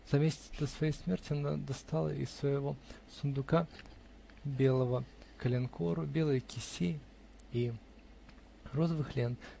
За месяц до своей смерти она достала из своего сундука белого коленкору, белой кисеи и розовых лент